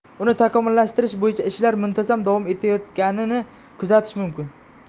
uni takomillashtirish bo'yicha ishlar muntazam davom etayotganini kuzatish mumkin